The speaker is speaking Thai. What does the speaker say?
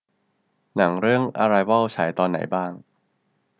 หนังเรื่องอะไรวอลฉายตอนไหนบ้าง